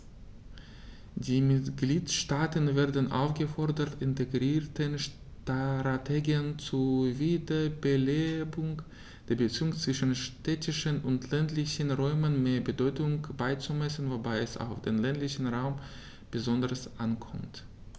Die Mitgliedstaaten werden aufgefordert, integrierten Strategien zur Wiederbelebung der Beziehungen zwischen städtischen und ländlichen Räumen mehr Bedeutung beizumessen, wobei es auf den ländlichen Raum besonders ankommt.